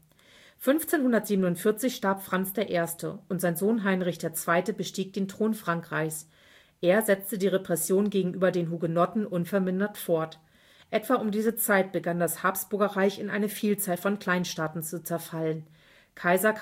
1547 starb Franz I., und sein Sohn Heinrich II. bestieg den Thron Frankreichs. Er setzte die Repression gegenüber den Hugenotten unvermindert fort. Etwa um diese Zeit begann das Habsburgerreich in eine Vielzahl von Kleinstaaten zu zerfallen: Kaiser